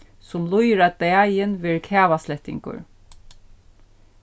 sum líður á dagin verður kavaslettingur